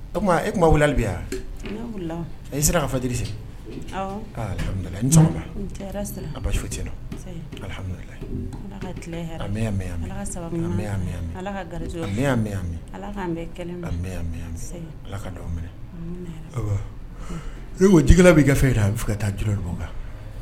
O tuma e i sera ka fasemi abasu tenmi mɛ ala ka minɛ i ko j bɛ kɛ fɛ jira a bɛ ka taa juru kan